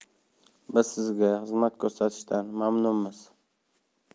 biz sizga xizmat ko'rsatishdan mamnunmiz